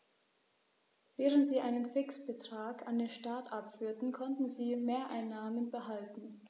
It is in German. Während sie einen Fixbetrag an den Staat abführten, konnten sie Mehreinnahmen behalten.